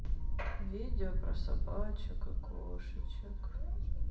видео про собачек и кошечек